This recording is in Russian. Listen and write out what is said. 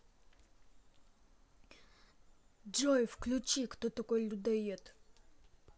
джой включи кто такой людоед